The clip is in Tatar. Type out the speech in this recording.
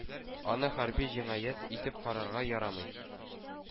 Аны хәрби җинаять итеп карарга ярамый...”